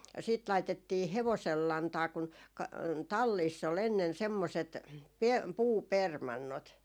sitten laitettiin hevosen lantaa kun - talleissa oli ennen semmoiset - puupermannot